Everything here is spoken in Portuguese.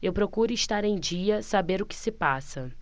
eu procuro estar em dia saber o que se passa